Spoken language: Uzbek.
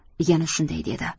yana shunday dedi